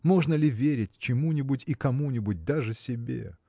Можно ли верить чему-нибудь и кому-нибудь, даже себе?